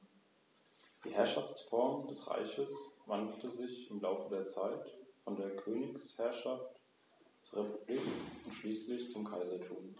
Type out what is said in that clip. Aus diesen ergibt sich als viertes die Hinführung des Besuchers zum praktischen Naturschutz am erlebten Beispiel eines Totalreservats.